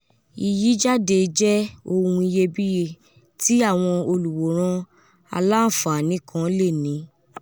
Iyijade jẹ ohun iyebiye ti awọn oluworan alanfaani kan leni.